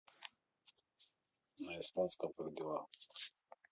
на испанском как дела